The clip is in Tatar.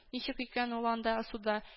Ничек икән ул анда суда